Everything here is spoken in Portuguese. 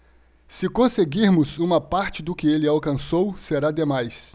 se conseguirmos uma parte do que ele alcançou será demais